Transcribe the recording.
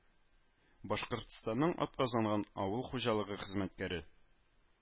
Башкортстанның атказанган авыл хуҗалыгы хезмәткәре